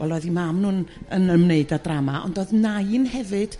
wel oedd 'u mam nhw'n yn ymwneud â drama ond o'dd nain hefyd